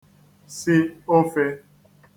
si ofē